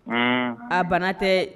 A bana tɛ